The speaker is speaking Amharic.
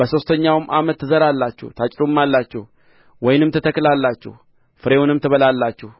በሦስተኛውም ዓመት ትዘራላችሁ ታጭዱማላችሁ ወይንም ትተክላላችሁ ፍሬውንም ትበላላችሁ